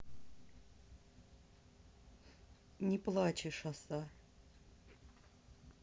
не плачешь оса